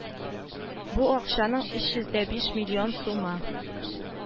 Бу акчаның өч йөз дә биш миллион сумы